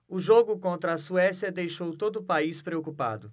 o jogo contra a suécia deixou todo o país preocupado